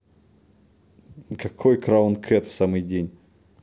какой краун кэт в самый день